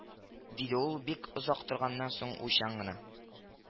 —диде ул бик озак торганнан соң уйчан гына